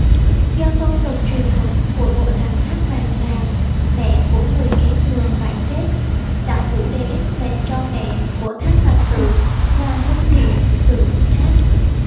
do phong tục truyền thống của bộ lạc thác bạt là mẹ của người kế thừa phải chết đạo vũ đế lệnh cho mẹ của thác bạt tự là lưu thị tự sát